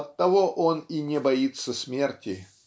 Оттого он и не боится смерти.